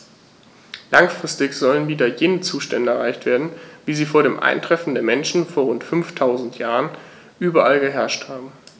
Langfristig sollen wieder jene Zustände erreicht werden, wie sie vor dem Eintreffen des Menschen vor rund 5000 Jahren überall geherrscht haben.